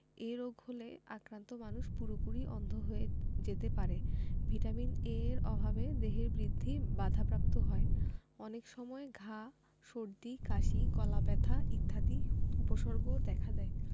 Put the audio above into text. এই রোগ হলে আক্রান্ত মানুষ পুরোপুরি অন্ধ হয়ে যেতে পারে ভিটামিন A এর অভাবে দেহের বৃদ্ধি বাধাপ্রাপ্ত হয় অনেক সময় ঘা সর্দি কাশি গলাব্যথা ইত্যাদি উপসর্গও দেখা দেয়